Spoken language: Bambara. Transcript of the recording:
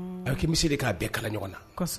Aw'imi se de k'a bɛɛ kala ɲɔgɔn na